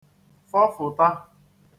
fọfụ̀ta